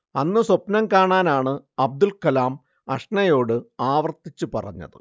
അന്ന് സ്വപ്നം കാണാനാണ് അബ്ദുൾക്കലാം അഷ്നയോട് ആവർത്തിച്ച് പറഞ്ഞത്